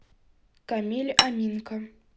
камиль аминка